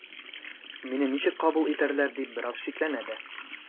“мине ничек кабул итәрләр” дип бераз шикләнә дә.